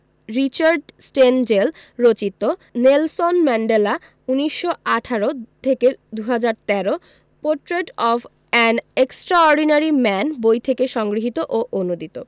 Richard Stengel রচিত Nelson Mandela ১৯১৮ থেকে ২০১৩ portrait of an extraordinary man বই থেকে সংগৃহীত ও অনূদিত